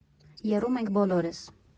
Եռում ենք բոլորս։